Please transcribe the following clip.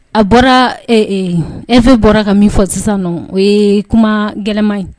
A bɔra e fɛ bɔra ka min fɔ sisan o ye kuma gɛlɛnman ye